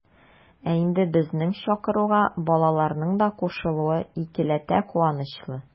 Ә инде безнең чакыруга балаларның да кушылуы икеләтә куанычлы.